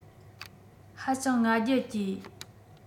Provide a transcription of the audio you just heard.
ཧ ཅང ང རྒྱལ སྐྱེས